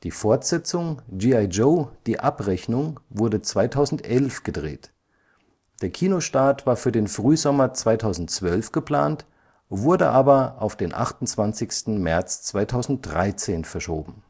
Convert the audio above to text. Fortsetzung G.I. Joe – Die Abrechnung wurde 2011 gedreht. Der Kinostart war für den Frühsommer 2012 geplant, wurde aber auf den 28. März 2013 verschoben